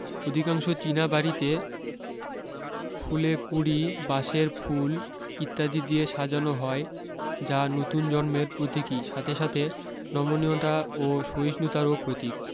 অধিকাংশ চীনা বাড়ীতে ফুলে কুঁড়ি বাঁশের ফুল ইত্যাদি দিয়ে সাজানো হয় যা নতুন জন্মের প্রতিকী সাথে সাথে নমনীয়তা ও সহিষ্ণুতারও প্রতীক